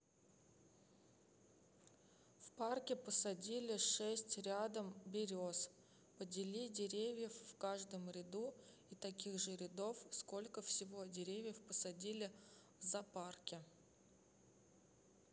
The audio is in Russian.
в парке посадили шесть рядом берез подели деревьев в каждом ряду и таких же рядов сколько всего деревьев посадили в запарке